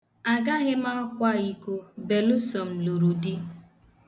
Agaghị m akwa iko beluso m lụrụ di.